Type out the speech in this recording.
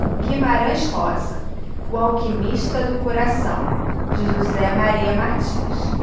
guimarães rosa o alquimista do coração de josé maria martins